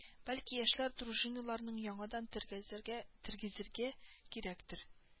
Бәлки яшьләр дружиналарның яңадан тергәзергә тергезергә кирәктер